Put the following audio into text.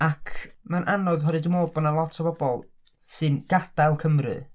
ac mae'n anodd, oherwydd dwi'n meddwl bod 'na lot o bobl sy'n gadael Cymru.